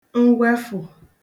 ngwefụ̀